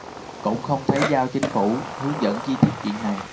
cũng không thấy giao chính phủ hướng dẫn chi tiết chuyện này